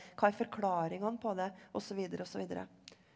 hva er forklaringen på det osv. og så videre.